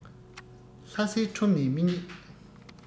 ལྷ སའི ཁྲོམ ནས མི རྙེད